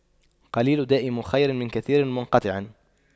قليل دائم خير من كثير منقطع